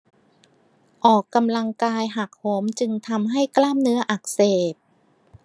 ออกกำลังกายหักโหมจึงทำให้กล้ามเนื้ออักเสบ